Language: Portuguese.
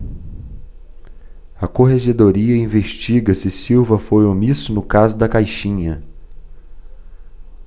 a corregedoria investiga se silva foi omisso no caso da caixinha